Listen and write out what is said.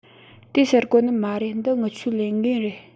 དེ ཟེར དགོ ནི མ རེད འདི ངི ཆོའི ལས འགན རེད